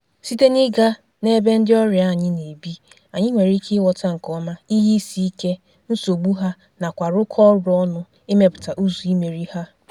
Site n'ịga n'ebe ndị ọrịa anyị na-ebi, anyị nwere ike ịghọta nke ọma ihe isiike, nsogbu ha, nakwa rụkọ ọrụ ọnụ ịmepụta ụzọ imeri ha.